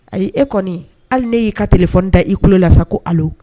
Ayi e kɔni hali ne y'i ka telefoni da i kulo lasa ko halo .